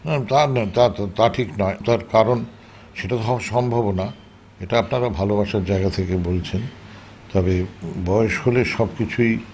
তা নয় তা ঠিক নয় তার কারন সেটা হওয়া সম্ভবও না এটা আপনারা ভালোবাসার জায়গা থেকে বলছেন তবে বয়স হলে সব কিছুই